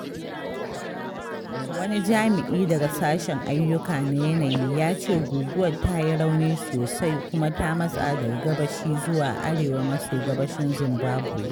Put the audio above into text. Wani jami'i daga Sashen Ayyuka na Yanayi ya ce guguwar ta yi rauni sosai kuma ta matsa daga gabashi zuwa arewa maso gabashin Zimbabwe.